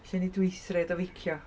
Felly wneud y weithred o feicio.